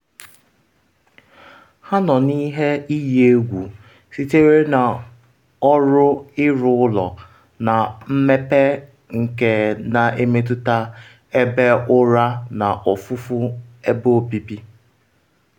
Ha nọ n’ihe iyi egwu sitere na ọrụ ịrụ ụlọ na mmepe nke na-emetụta ebe ụra na ofufu ebe obibi.